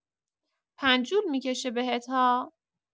پنجول می‌کشه بهت‌ها.